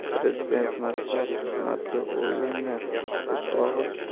prezident matbuot xizmatio'ylanglar biz